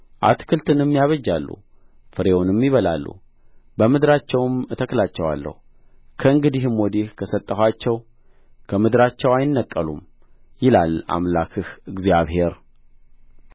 አታክልትንም ያባጃሉ ፍሬውንም ይበላሉ በምድራቸውም እተክላቸዋለሁ ከእንግዲህም ወዲህ ከሰጠኋቸው ከምድራቸው አይነቀሉም ይላል አምላክህ እግዚአብሔር